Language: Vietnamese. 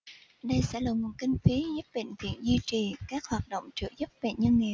đây sẽ là nguồn kinh phí giúp bệnh viện duy trì các hoạt động trợ giúp bệnh nhân nghèo